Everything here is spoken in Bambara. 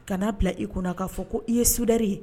Kan'a bila i kuna k'a fɔ ko i ye soudeur ye